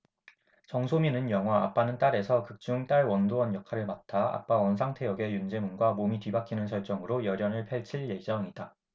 정소민은 영화 아빠는 딸에서 극 중 딸 원도연 역할을 맡아 아빠 원상태 역의 윤제문과 몸이 뒤바뀌는 설정으로 열연을 펼칠 예정이다